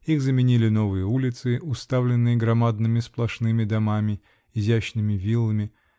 их заменили новые улицы, уставленные громадными сплошными домами, изящными виллами